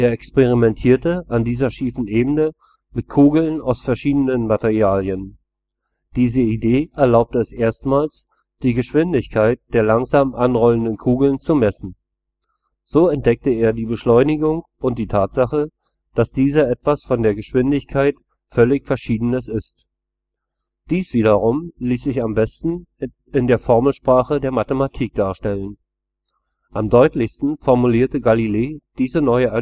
experimentierte an dieser schiefen Ebene mit Kugeln aus verschiedenen Materialien. Diese Idee erlaubte es erstmals, die Geschwindigkeit der langsam anrollenden Kugeln zu messen. So entdeckte er die Beschleunigung und die Tatsache, dass diese etwas von der Geschwindigkeit völlig verschiedenes ist. Dies wiederum ließ sich am besten in der Formelsprache der Mathematik darstellen. Am deutlichsten formulierte Galilei diese neue